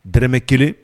Dmɛ kelen